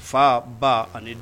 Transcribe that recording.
Fa ba ani